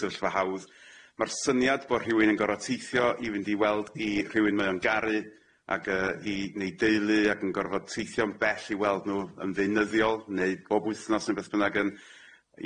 sefyllfa hawdd ma'r syniad bo' rhywun yn gor'o' teithio i fynd i weld i rhywun mae o'n garu ag yy i neu' deulu ag yn gor'o' teithio'n bell i weld nw yn ddeunyddiol neu bob wythnos ne' beth bynnag yn,